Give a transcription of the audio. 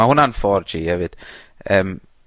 Ma' hwnna'n four gee efyd yym.